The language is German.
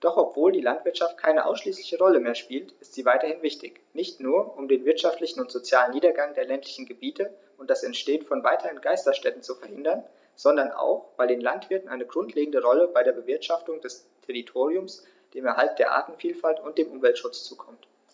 Doch obwohl die Landwirtschaft keine ausschließliche Rolle mehr spielt, ist sie weiterhin wichtig, nicht nur, um den wirtschaftlichen und sozialen Niedergang der ländlichen Gebiete und das Entstehen von weiteren Geisterstädten zu verhindern, sondern auch, weil den Landwirten eine grundlegende Rolle bei der Bewirtschaftung des Territoriums, dem Erhalt der Artenvielfalt und dem Umweltschutz zukommt.